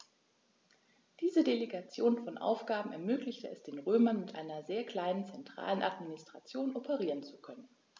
Diese Delegation von Aufgaben ermöglichte es den Römern, mit einer sehr kleinen zentralen Administration operieren zu können.